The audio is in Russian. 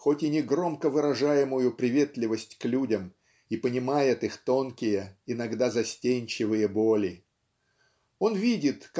хоть и не громко выражаемую приветливость к людям и понимает их тонкие иногда застенчивые боли. Он видит